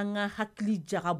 An ka hakili ja bɔ